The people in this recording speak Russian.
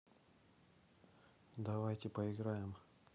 давайте поиграем